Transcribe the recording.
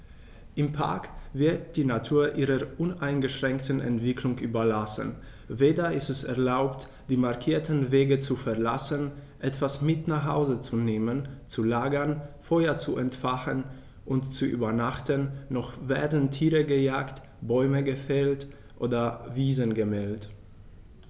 Im Park wird die Natur ihrer uneingeschränkten Entwicklung überlassen; weder ist es erlaubt, die markierten Wege zu verlassen, etwas mit nach Hause zu nehmen, zu lagern, Feuer zu entfachen und zu übernachten, noch werden Tiere gejagt, Bäume gefällt oder Wiesen gemäht.